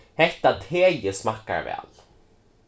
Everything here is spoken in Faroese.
hetta teið smakkar væl